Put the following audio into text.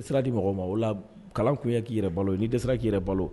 Ne sira di mɔgɔ ma o la kalan k'i yɛrɛ balo i ni dɛsɛse k'i yɛrɛ balo